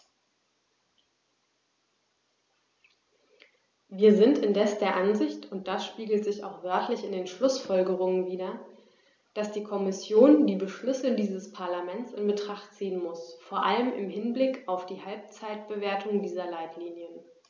Wir sind indes der Ansicht und das spiegelt sich auch wörtlich in den Schlussfolgerungen wider, dass die Kommission die Beschlüsse dieses Parlaments in Betracht ziehen muss, vor allem im Hinblick auf die Halbzeitbewertung dieser Leitlinien.